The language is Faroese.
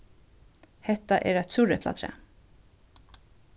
hetta er eitt súreplatræ